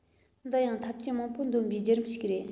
འདི ཡང ཐབས ཇུས མང པོ འདོན པའི རྒྱུད རིམ ཞིག རེད